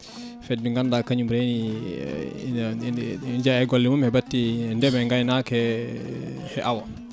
fedde nde ganduɗa kañum reeni ene jeeya e golle mum batte ndeema e gaynaka e awa